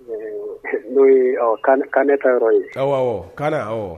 N'o kaana ne taa yɔrɔ ye aw kaana